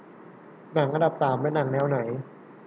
หนังอันดับสามเป็นหนังแนวไหน